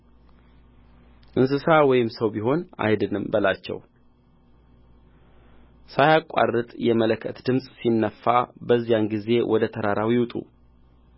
እንስሳ ወይም ሰው ቢሆን አይድንም በላቸው ሳያቋርጥ የመለከት ድምፅ ሲነፋ በዚያን ጊዜ ወደ ተራራው ይውጡ